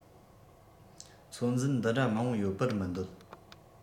ཚོད འཛིན འདི འདྲ མང བོ ཡོད པར མི འདོད